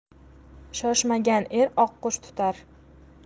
shoshmagan er oqqush tutar